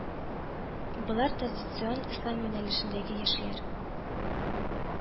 Болар традицион Ислам юнәлешендәге яшьләр